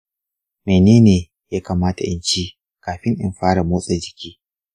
mene ne ya kamata in ci kafin in fara motsa jiki?